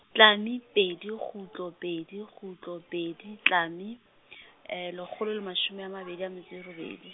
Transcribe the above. tlame pedi, kgutlo pedi kgutlo, pedi tlame , lekgolo le mashome a mabedi a metso e robedi.